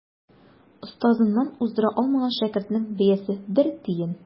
Остазыннан уздыра алмаган шәкертнең бәясе бер тиен.